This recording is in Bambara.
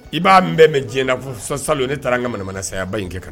I b'a bɛɛ mɛn diɲɛ na fɔ salon ne taara n ka manamanasayaba in kɛ ka na.